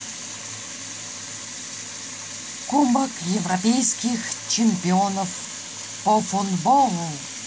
кубок европейских чемпионов по футболу